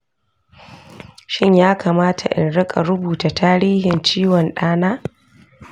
shin ya kamata in riƙa rubuta tarihin ciwon ɗana?